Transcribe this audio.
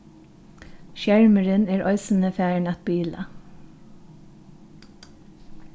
skermurin er eisini farin at bila